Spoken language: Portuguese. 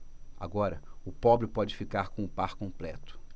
agora o pobre pode ficar com o par completo